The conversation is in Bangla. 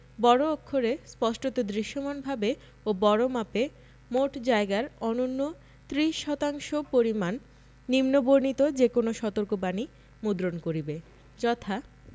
বড় অক্ষরে স্পষ্টত দৃশ্যমানভাবে ও বড়মাপে মোট জায়গার অন্যূন ৩০% শতাংশ পরিমাণ নিম্নবর্ণিত যে কোন সতর্কবাণী মুদ্রণ করিবে যথা